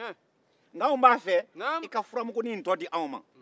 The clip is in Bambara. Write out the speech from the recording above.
anw b'a fɛ i ka furamugunin tɔ di anw ma